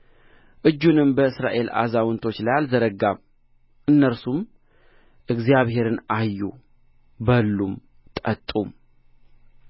እጁንም በእስራኤል አዛውንቶች ላይ አልዘረጋም እነርሱም እግዚአብሔርን አዩ በሉም ጠጡም